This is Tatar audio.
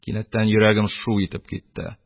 Кинәттән йөрәгем шу итеп китте,